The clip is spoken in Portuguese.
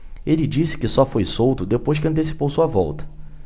ele disse que só foi solto depois que antecipou sua volta